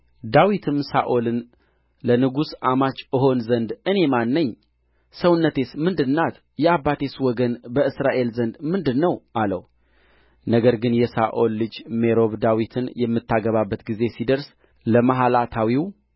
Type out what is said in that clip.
ዳዊትም ሳኦልን ለንጉሥ አማች እሆን ዘንድ እኔ ማን ነኝ ሰውነቴስ ምንድር ናት የአባቴስ ወገን በእስራኤል ዘንድ ምንድር ነው አለው ነገር ግን የሳኦል ልጅ ሜሮብ ዳዊትን የምታገባበት ጊዜ ሲደርስ ለመሓላታዊው